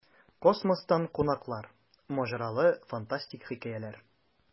Космостан кунаклар: маҗаралы, фантастик хикәяләр.